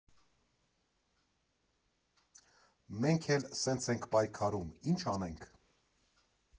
Մենք էլ սենց ենք պայքարում, ի՞նչ անենք։